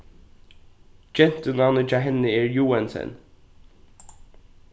gentunavnið hjá henni er joensen